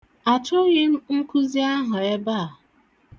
Achọghị m nkụzi ahụ ebe a.